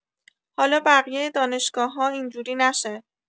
حالا بقیه دانشگاه‌‌ها اینجوری نشه